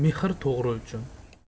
mehr to'g'ri uchun